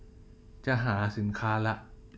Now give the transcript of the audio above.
จะหาสินค้าละ